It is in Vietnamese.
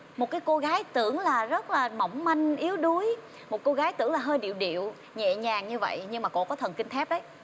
một cái cô gái tưởng là rất là mỏng manh yếu đuối một cô gái tưởng là hơi điệu điệu nhẹ nhàng như vậy nhưng mà cô có thần kinh thép đấy